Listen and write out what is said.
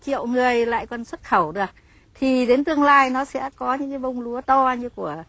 triệu người lại còn xuất khẩu được thì đến tương lai nó sẽ có những cái bông lúa to như của